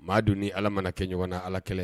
Maa don ni ala mana kɛ ɲɔgɔn na ala kɛlɛ ye